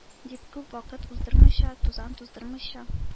— дип, күп вакыт уздырмыйча, тузан туздырмыйча,